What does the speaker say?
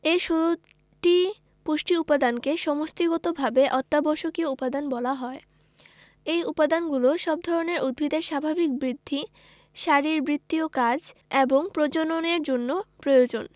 এ ১৬টি পুষ্টি উপাদানকে সমষ্টিগতভাবে অত্যাবশ্যকীয় উপাদান বলা হয় এই উপাদানগুলো সব ধরনের উদ্ভিদের স্বাভাবিক বৃদ্ধি শারীরবৃত্তীয় কাজ এবং প্রজননের জন্য প্রয়োজন